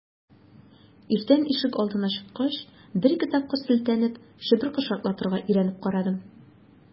Иртән ишегалдына чыккач, бер-ике тапкыр селтәнеп, чыбыркы шартлатырга өйрәнеп карадым.